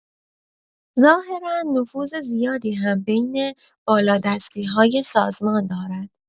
ظاهرا نفوذ زیادی هم بین بالادستی‌های سازمان دارد.